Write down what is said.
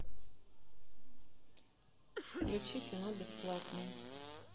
включи кино бесплатно